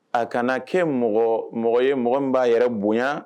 A kana kɛ mɔgɔ mɔgɔ ye mɔgɔ b'a yɛrɛ bonya